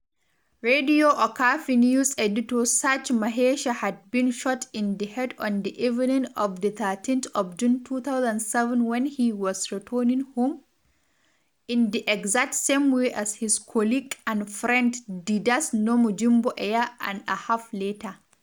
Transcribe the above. Radio Okapi news editor Serge Maheshe had been shot in the head on the evening of the 13th of June 2007 when he was returning home, in the exact same way as his colleague and friend Didace Namujimbo a year and a half later.